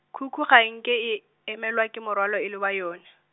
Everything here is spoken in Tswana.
khukhu ga e nke e, imelwa ke morwalo e le wa yone.